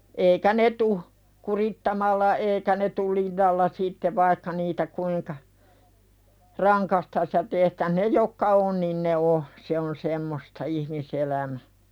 eikä ne tule kurittamalla eikä ne tule linnalla sitten vaikka niitä kuinka rangaistaisiin ja tehtäisiin ne jotka on niin ne on se on semmoista ihmiselämä